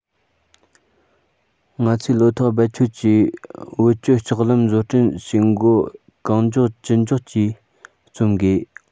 ང ཚོས བློ ཐག རྦད ཆོད ཀྱིས བོད སྐྱོད ལྕགས ལམ བཟོ སྐྲུན བྱེད འགོ གང མགྱོགས ཅི མགྱོགས ཀྱིས རྩོམ དགོས